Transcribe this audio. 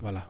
voilà